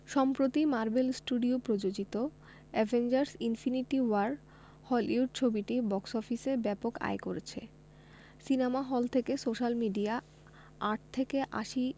সম্প্রতি Marvel studio প্রযোজিত Avengers Infinity War Hollywood ছবিটি বক্স অফিসে ব্যাপক আয় করছে সিনেমা হল থেকে সোশ্যাল মিডিয়া আট থেকে আশি